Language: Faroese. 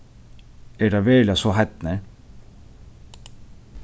eru teir veruliga so heidnir